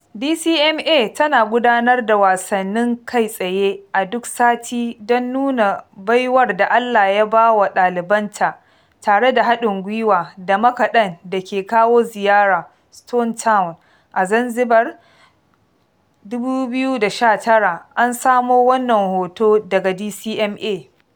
DCMA tana gudanar da wasannin kai tsaye a duk sati don nuna baiwar da Allah ya ba wa ɗalibanta tare da haɗin gwiwa da makaɗan da ke kawo ziyara Stone Town a Zanzibar, 2019. An samo wannan hoto daga DCMA.